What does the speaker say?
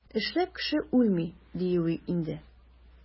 Эшләп кеше үлми, диюе инде.